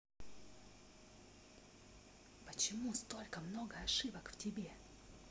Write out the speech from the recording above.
почему столько много ошибок в тебе